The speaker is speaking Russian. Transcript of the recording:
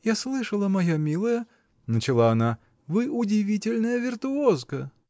-- Я слышала, моя милая, -- начала она, -- вы удивительная виртуозка.